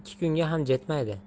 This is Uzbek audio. ikki kunga ham jetmaydi